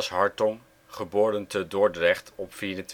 Hartong (Dordrecht, 24 mei 1963